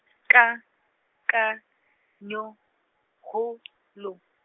K A, K A, N Y O, K G O , L O.